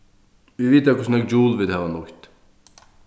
vit vita hvussu nógv joule vit hava nýtt